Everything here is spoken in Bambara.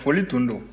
foli tun don